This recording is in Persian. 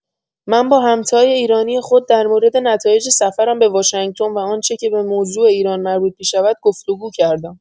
من با همتای ایرانی خود در مورد نتایج سفرم به واشنگتن و آنچه که به موضوع ایران مربوط می‌شود، گفت‌وگو کردم.